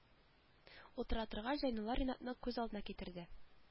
Утыра торгач зәйнулла ринатны күз алдына китерде